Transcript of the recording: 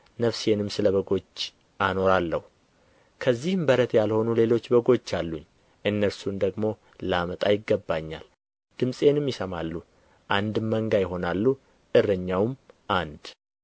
ነፍሴንም ስለ በጎች አኖራለሁ ከዚህም በረት ያልሆኑ ሌሎች በጎች አሉኝ እነርሱን ደግሞ ላመጣ ይገባኛል ድምፄንም ይሰማሉ አንድም መንጋ ይሆናሉ እረኛውም አንድ